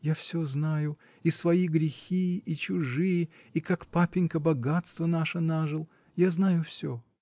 Я все знаю, и свои грехи, и чужие, и как папенька богатство наше нажил я знаю все.